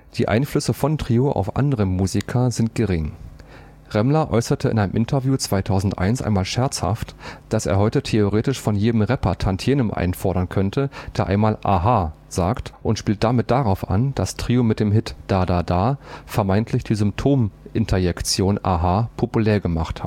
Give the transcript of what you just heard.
Die Einflüsse von Trio auf andere Musiker sind gering. Remmler äußerte in einem Interview (2001) einmal scherzhaft, dass er heute theoretisch von jedem Rapper Tantiemen einfordern könnte, der einmal „ Aha “sagt und spielt damit darauf an, dass Trio mit dem Hit „ Da da da “vermeintlich die Symptominterjektion „ Aha “populär gemacht hat